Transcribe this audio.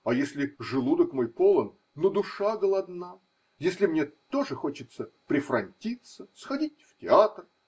А если желудок мой полон, но душа голодна, если мне тоже хочется прифрантиться, сходить в театр.